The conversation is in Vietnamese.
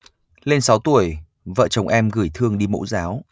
lên sáu tuổi vợ chồng em gửi thương đi mẫu giáo